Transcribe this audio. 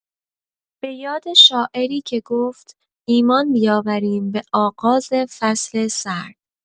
بۀاد شاعری که گفت: "ایمان بیاوریم به آغاز فصل سرد".